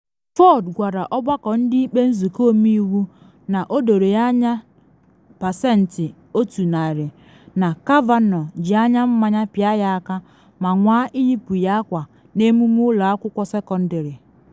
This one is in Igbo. Ford gwara Ọgbakọ Ndị Ikpe Nzụkọ Ọmeiwu na o doro ya anya pasentị 100 na Kavanaugh ji anya mmanya pịa ya aka ma nwaa iyipu ya akwa n’emume ụlọ akwụkwọ sekọndịrị.